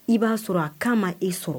I b'a sɔrɔ a cas ma e sɔrɔ